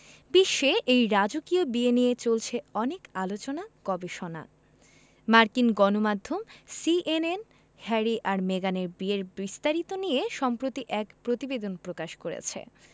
বিশ্বে এই রাজকীয় বিয়ে নিয়ে চলছে অনেক আলোচনা গবেষণা মার্কিন গণমাধ্যম সিএনএন হ্যারি আর মেগানের বিয়ের বিস্তারিত নিয়ে সম্প্রতি এক প্রতিবেদন প্রকাশ করেছে